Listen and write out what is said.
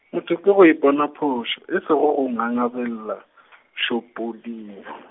motho ke go ipona phošo, e sego go ngangabela, šopoding.